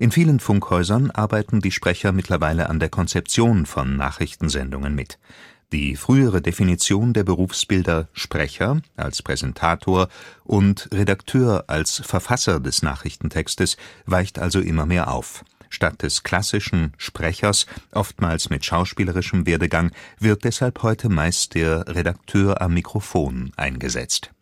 vielen Funkhäusern arbeiten die Sprecher mittlerweile an der Konzeption von Nachrichtensendungen mit. Die frühere Definition der Berufsbilder „ Sprecher “(als Präsentator) und Redakteur (als „ Verfasser “des Nachrichtentextes) weicht also immer mehr auf. Statt des klassischen „ Sprechers “, oftmals mit schauspielerischem Werdegang, wird deshalb heute meist der „ Redakteur am Mikrofon “eingesetzt